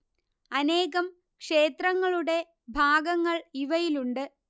അനേകം ക്ഷേത്രങ്ങളുടെ ഭാഗങ്ങൾ ഇവയിലുണ്ട്